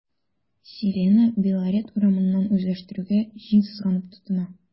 “селена” белорет урманнарын үзләштерүгә җиң сызганып тотына.